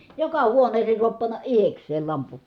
joka huoneeseen saa panna itsekseen lampun